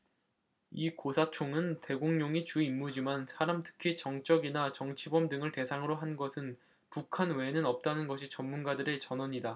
이 고사총은 대공용이 주임무지만 사람 특히 정적이나 정치범 등을 대상으로 한 것은 북한 외에는 없다는 것이 전문가들의 전언이다